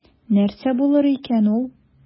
Нәрсә булыр икән ул?